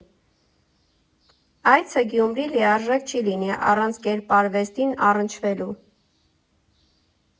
Այցը Գյումրի լիարժեք չի լինի առանց կերպարվեստին առնչվելու։